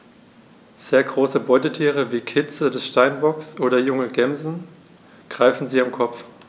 Sehr große Beutetiere wie Kitze des Steinbocks oder junge Gämsen greifen sie am Kopf.